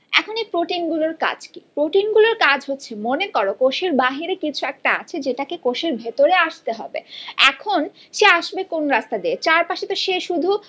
এখন এর প্রোটিন গুলোর কাজ কি প্রোটিন গুলোর কাজ হচ্ছে মনে করো কোষের বাহিরে কিছু একটা আছে যেটাকে কোষের ভেতরে আসতে হবে এখন সে আসবে কোন রাস্তা দিয়ে চার পাশে তো সে শুধু